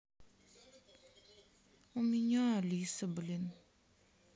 у меня алиса блин